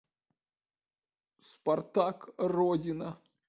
спартак родина